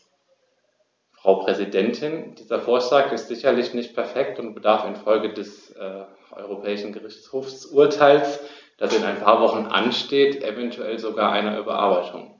Frau Präsidentin, dieser Vorschlag ist sicherlich nicht perfekt und bedarf in Folge des EuGH-Urteils, das in ein paar Wochen ansteht, eventuell sogar einer Überarbeitung.